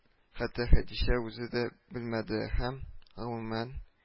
Хәтта хәдичә үзе дә белмәде һәм, гомумән